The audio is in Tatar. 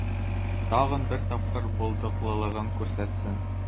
Тагын бер тапкыр булдыклылыгын күрсәтсен.